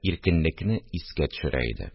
Иркенлекне искә төшерә иде